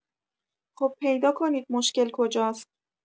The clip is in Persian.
خب پیدا کنید مشکل کجاست